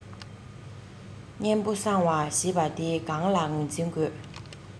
གཉན པོ གསང བ ཞེས པ དེ གང ལ ངོས འཛིན དགོས